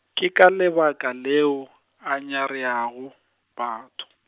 ke ka lebaka leo, a nyareago, batho.